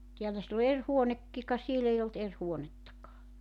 täällä sillä on eri huonekin ka siellä ei ollut eri huonettakaan